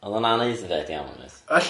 o'dd o'n anaeddfed iawn oedd?